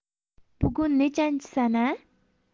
bugun nechanchi sana